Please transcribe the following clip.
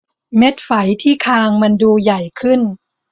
เม็ดไฝที่คางมันดูใหญ่ขึ้น